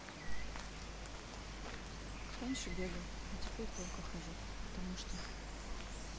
раньше бегал а теперь только хожу потому что